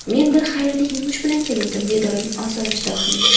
men bir xayrli yumush bilan keluvdim dedi oyim osoyishta ohangda